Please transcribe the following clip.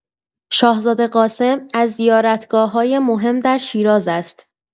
شاهزاده قاسم از زیارتگاه‌های مهم شیراز است.